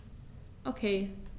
Okay.